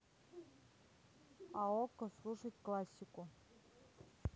а окко слушать классику